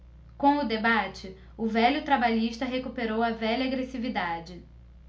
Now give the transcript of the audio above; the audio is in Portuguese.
com o debate o velho trabalhista recuperou a velha agressividade